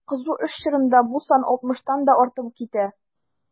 Кызу эш чорында бу сан 60 тан да артып китә.